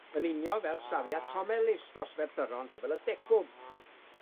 yn union fel safiad Tom Ellis dros Ferthyron rhyfel y degwm.